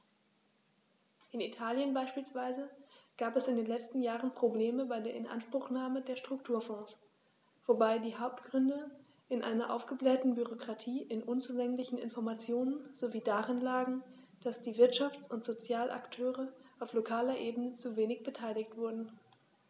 In Italien beispielsweise gab es in den letzten Jahren Probleme bei der Inanspruchnahme der Strukturfonds, wobei die Hauptgründe in einer aufgeblähten Bürokratie, in unzulänglichen Informationen sowie darin lagen, dass die Wirtschafts- und Sozialakteure auf lokaler Ebene zu wenig beteiligt wurden.